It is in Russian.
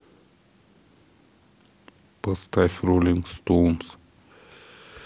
поставь роллинг стоунз